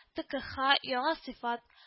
ТэКэХа – яңа сыйфат”